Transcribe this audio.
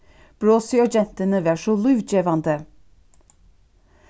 brosið á gentuni var so lívgevandi